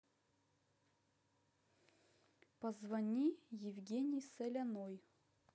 позвони евгений соляной